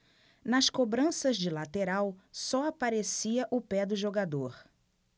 nas cobranças de lateral só aparecia o pé do jogador